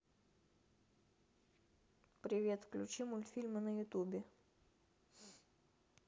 привет включи мультфильмы на ютубе